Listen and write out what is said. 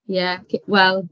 Ie hy- wel...